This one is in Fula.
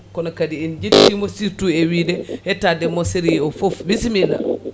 kono kadi en jettimo surtout e wiide hettademo série o foof bisimilla